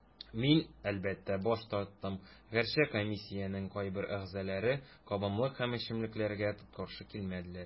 Мин, әлбәттә, баш тарттым, гәрчә комиссиянең кайбер әгъзаләре кабымлык һәм эчемлекләргә каршы килмәделәр.